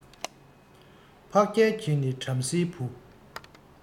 འཕགས རྒྱལ གྱི ནི བྲམ ཟེའི བུ